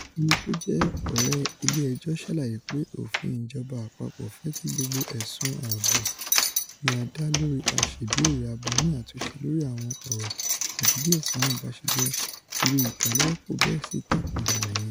Ẹni tó jẹ́ Ọ̀rẹ́ ilé ẹjọ́ ṣàlàyé pé "Òfin ìjọba àpapọ̀ fẹ́ kí gbogbo ẹ̀sùn ààbò ni a dá lórí aṣèbéèrè àbò ní àtúnṣe lóri àwọn ọ̀rọ̀ àti bí ẹ̀sùn náà bá ṣe jẹ́, irú ìkálọ́wọ́kò bẹ́ẹ̀ sì tako ìlànà yẹn"